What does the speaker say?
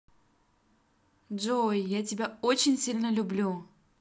джой я тебя очень сильно люблю